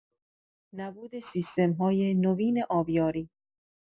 نبود سیستم‌های نوین آبیاری